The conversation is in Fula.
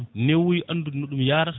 newuya andude no ɗum yarata